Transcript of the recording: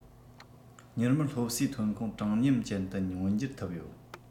མྱུར མོར སློབ གསོའི ཐོན ཁུངས དྲང སྙོམས ཅན དུ མངོན འགྱུར ཐུབ ཡོད